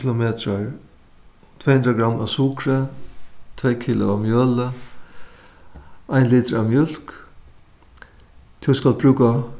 kilometrar tvey hundrað gramm av sukri tvey kilo av mjøli ein litur av mjólk tú skalt brúka